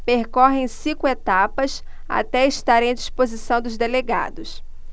percorrem cinco etapas até estarem à disposição dos delegados